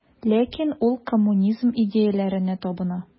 Ләкин ул коммунизм идеяләренә табына.